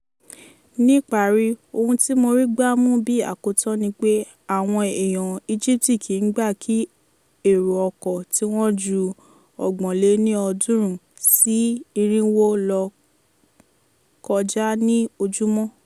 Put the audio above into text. Ní ìparí, ohun tí mo rí gbámú bí àkótán ni pé àwọn èèyàn Egypt kìí gba kí èrò ọkọ̀ tí wọ́n ju 350-400 lọ kọjá ní ojúmọ́.